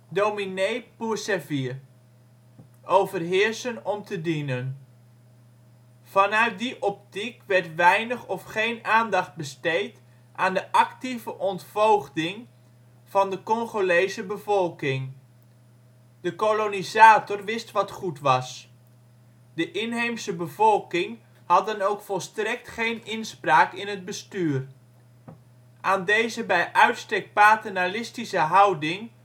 Dominer pour servir "(" overheersen om te dienen "). Vanuit die optiek werd weinig of geen aandacht besteed aan de actieve ontvoogding van de Congolese bevolking. De kolonisator wist wat goed was. De inheemse bevolking had dan ook volstrekt geen inspraak in het bestuur. Aan deze bij uitstek paternalistische houding